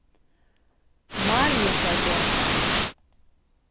mariusargøta